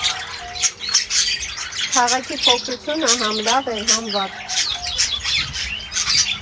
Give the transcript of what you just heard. Քաղաքի փոքրությունը հա՛մ լավ էր, հա՛մ վատ։